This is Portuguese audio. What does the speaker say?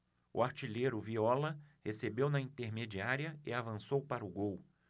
o artilheiro viola recebeu na intermediária e avançou para o gol